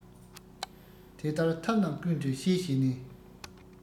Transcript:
དེ ལྟར ཐབས རྣམས ཀུན ཏུ ཤེས བྱས ནས